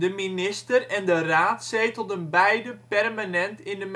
minister en de Raad zetelden beide permanent in de